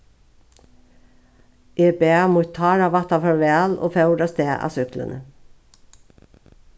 eg bað mítt táravætta farvæl og fór avstað á súkkluni